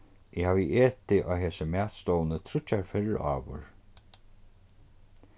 eg havi etið á hesi matstovuni tríggjar ferðir áður